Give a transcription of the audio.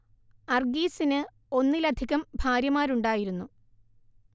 അർഗീസിന് ഒന്നിലധികം ഭാര്യമാരുണ്ടായിരുന്നു